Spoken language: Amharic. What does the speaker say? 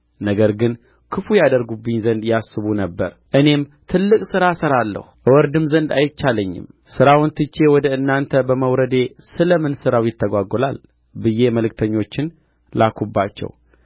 ነገር ግን ክፉ ያደርጉብኝ ዘንድ ያስቡ ነበር እኔም ትልቅ ሥራ እሠራለሁ እወርድም ዘንድ አይቻለኝም ሥራውን ትቼ ወደ እናንተ በመውረዴ ስለ ምን ሥራው ይታጐላል ብዬ መልእክተኞችን ላክሁባቸው